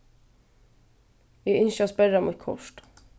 eg ynski at sperra mítt kort